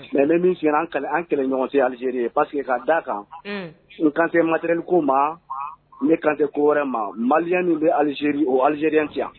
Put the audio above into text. Mais n bɛ min f'u ɲɛna an kɛlɛ ɲɔgɔn tɛ Alizeri ye parce que k'a d'a kan n kan tɛ matériel ko ma ne kan tɛ ko wɛrɛ ma malien min bɛ Alizeri o algérien tɛ yan.